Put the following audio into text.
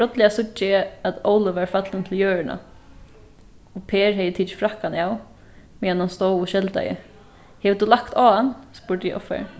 brádliga síggi eg at óli var fallin til jørðina og per hevði tikið frakkan av meðan hann stóð og skeldaði hevur tú lagt á hann spurdi eg ovfarin